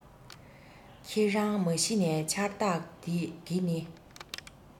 ཁྱེད རང མ གཞི ནས འཆར བདག གི ནི